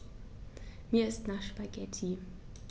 Mir ist nach Spaghetti.